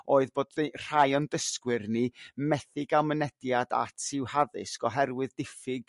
Oedd bo' ddeu- rhai o'n dysgwyr ni methu ga'l mynediad at i'w haddysg oherwydd diffyg